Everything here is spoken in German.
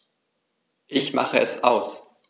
Ich mache es aus.